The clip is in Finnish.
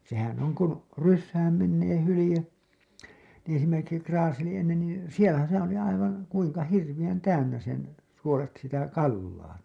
sehän on kun rysään menee hylje niin esimerkiksi kraaseli ennen niin siellä sehän oli aivan kuinka hirveän täynnä sen suolet sitä kalaa